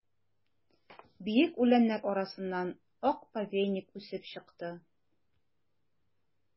Биек үләннәр арасыннан ак повейник үсеп чыкты.